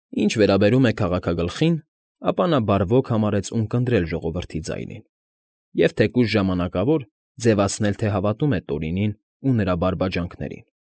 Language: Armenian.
Ինչ վերաբերում է քաղաքագլխին, ապա նա բարվոք համարեց ունկնդրել ժողովրդի ձայնին և, թեկուզ ժամանակավոր, ձևացնել, թե հավատում է Տորինին ու նրա բարբաջանքներին։